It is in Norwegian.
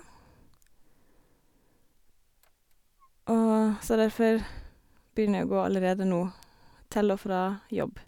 og Så derfor begynner jeg å gå allerede nå, til og fra jobb.